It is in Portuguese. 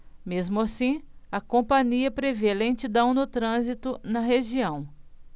mesmo assim a companhia prevê lentidão no trânsito na região